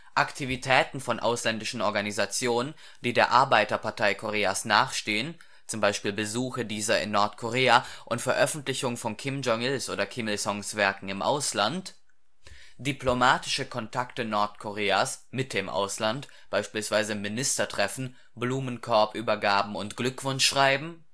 Aktivitäten von ausländischen Organisationen, die der Arbeiterpartei Koreas nahestehen, zum Beispiel Besuche dieser in Nordkorea und Veröffentlichung von Kim Jong-ils oder Kim Il-sungs Werken im Ausland Diplomatische Kontakte Nordkoreas mit dem Ausland, beispielsweise Ministertreffen, Blumenkorbübergaben und Glückwunschschreiben